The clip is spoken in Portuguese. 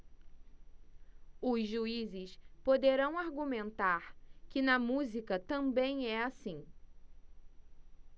os juízes poderão argumentar que na música também é assim